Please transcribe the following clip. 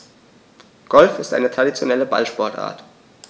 Golf ist eine traditionelle Ballsportart.